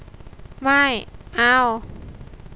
ไม่เอา